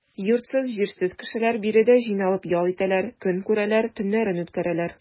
Йортсыз-җирсез кешеләр биредә җыйналып ял итәләр, көн күрәләр, төннәрен үткәрәләр.